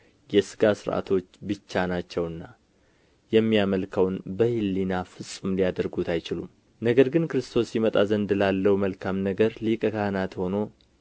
የሥጋ ሥርዓቶች ብቻ ናቸውና የሚያመልከውን በህሊና ፍጹም ሊያደርጉት አይችሉም ነገር ግን ክርስቶስ ይመጣ ዘንድ ላለው መልካም ነገር ሊቀ ካህናት ሆኖ